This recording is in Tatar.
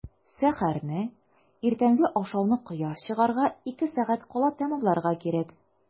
Сәхәрне – иртәнге ашауны кояш чыгарга ике сәгать кала тәмамларга кирәк.